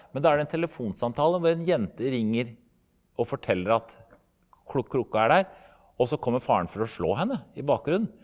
men da er det en telefonsamtale hvor en jente ringer og forteller at er der og så kommer faren for å slå henne i bakgrunnen.